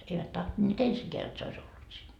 eivät tahtoneet ensinkään jotta se olisi ollut siinä